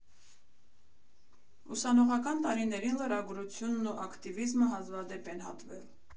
֊Ուսանողական տարիներին լրագրությունն ու ակտիվիզմը հազվադեպ են հատվել։